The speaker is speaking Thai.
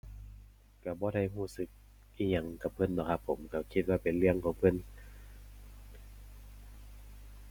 ก็บ่ได้ก็สึกอิหยังกับเพิ่นหรอกครับผม ก็คิดว่าเป็นเรื่องของเพิ่น